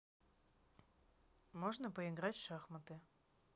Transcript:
можно поиграть в шахматы